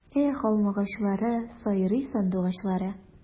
Эх, алмагачлары, сайрый сандугачлары!